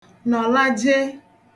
nọ̀laje